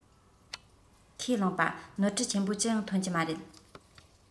ཁས བླངས པ ནོར འཁྲུལ ཆེན པོ ཅི ཡང ཐོན གྱི མ རེད